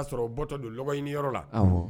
O y'a sɔrɔ o bɔtɔla do lɔgɔɲini yɔrɔ la.